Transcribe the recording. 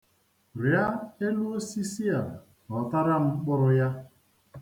Rịa elu osisi a ghọtara m mkpụrụ ya.